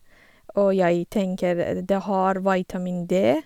Og jeg tenker det har vitamin D.